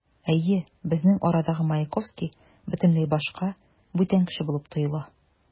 Әйе, безнең арадагы Маяковский бөтенләй башка, бүтән кеше булып тоела.